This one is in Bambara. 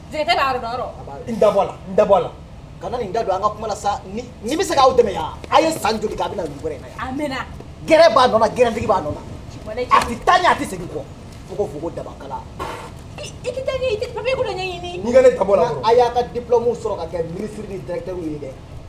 Dabɔ dabɔ kana nin da don an ka kuma sa bɛ se dɛmɛ a ye san a gɛrɛ'a gtigi'a taa a segin kɔ' ko da i a y'a ka di sɔrɔ ka mi ni da dɛ